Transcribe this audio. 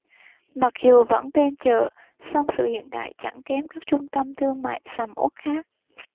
mặc dù vẫn tên chợ song sự hiện đại chẳng kém các trung tâm thương mại sầm uất khác